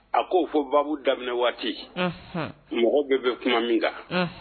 A k'o fɔ baabu daminɛ waati mɔgɔw bɛ bɛ kuma min kan